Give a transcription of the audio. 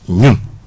ñun